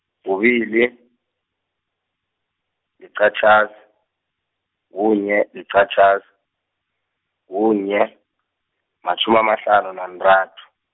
kubili, liqatjhaz-, kunye, liqatjhaz-, kunye, matjhumi, amahlanu nanthathu.